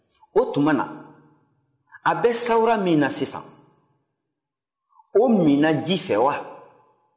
o tuma na a bɛ sawura min na sisan o minɛna ji fɛ wa